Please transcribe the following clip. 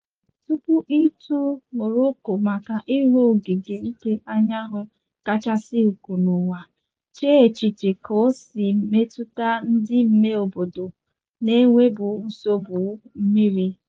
Ya mere, tupu i too Morocco maka ịrụ ogige ike anyanwụ kachasị ukwuu n'ụwa, chee echiche ka o si emetụta ndị imeobodo na-enwebu nsogbu mmiri.